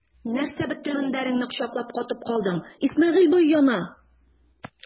Нәрсә бетле мендәреңне кочаклап катып калдың, Исмәгыйль бай яна!